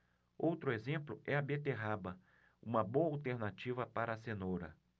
outro exemplo é a beterraba uma boa alternativa para a cenoura